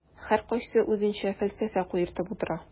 Һәркайсы үзенчә фәлсәфә куертып утыра.